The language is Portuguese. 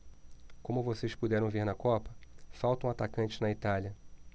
como vocês puderam ver na copa faltam atacantes na itália